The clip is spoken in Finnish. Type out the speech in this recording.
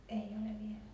ei ole vielä